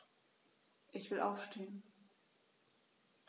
Ich will aufstehen.